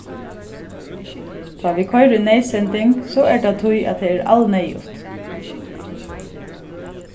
tá vit koyra í neyðsending so er tað tí at tað er alneyðugt